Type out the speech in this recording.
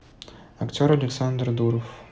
актер александр дуров